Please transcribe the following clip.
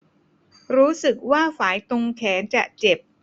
รู้สึกว่าไฝตรงแขนจะเจ็บ